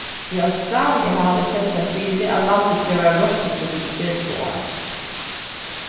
í australia hava tey sett sær fyri at landið skal vera rottufrítt um tretivu ár